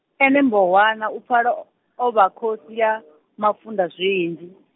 ene bohwana u pfala, o vha khosi ya, mafunda zwinzhi.